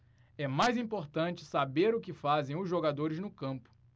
é mais importante saber o que fazem os jogadores no campo